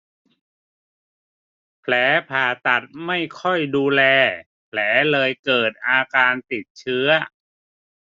แผลผ่าตัดไม่ค่อยดูแลแผลเลยเกิดอาการติดเชื้อ